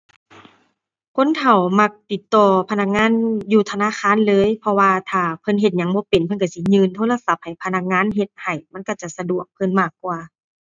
คนเฒ่ามักติดต่อพนักงานอยู่ธนาคารเลย เพราะว่าถ้าเพิ่นเฮ็ดหยังบ่เป็น เพิ่นก็สิยื่นโทรศัพท์ให้พนักงาน เฮ็ดให้มันก็จะสะดวกเพิ่นมากกว่า